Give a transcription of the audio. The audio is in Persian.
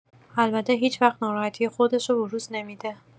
البته هیچوقت ناراحتی خودشو بروز نمی‌ده.